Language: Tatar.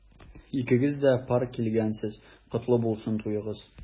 Икегез дә пар килгәнсез— котлы булсын туегыз!